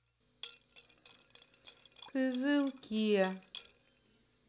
кызыл кия